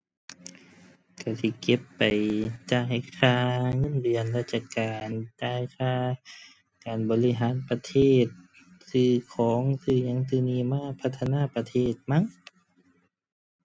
ก็สิเก็บไปจ่ายค่าเงินเดือนราชการ จ่ายค่าการบริหารประเทศ ซื้อของ ซื้อหยัง ซื้อนี้มาพัฒนาประเทศมั้ง